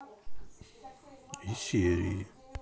и серии